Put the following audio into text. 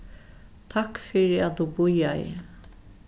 takk fyri at tú bíðaði